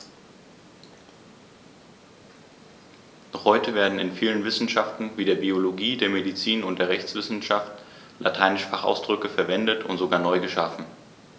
Noch heute werden in vielen Wissenschaften wie der Biologie, der Medizin und der Rechtswissenschaft lateinische Fachausdrücke verwendet und sogar neu geschaffen.